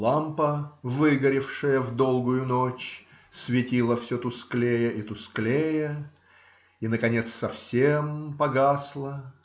Лампа, выгоревшая в долгую ночь, светила все тусклее и тусклее и наконец совсем погасла.